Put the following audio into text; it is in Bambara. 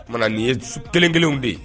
O nin ye kelen kelen bɛ yen